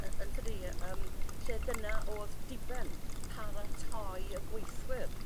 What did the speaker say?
yy yntydi yym lle dyna odd diben paratoi y gweithwyr